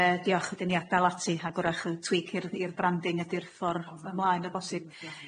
Yy diolch ydyn ni adel ati ha' gwrach yn tweal-k i'r i'r branding ydi'r ffordd ymlaen o bosib.